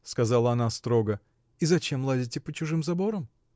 — сказала она строго, — и зачем лазите по чужим заборам?